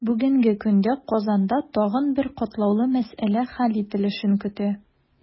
Бүгенге көндә Казанда тагын бер катлаулы мәсьәлә хәл ителешен көтә.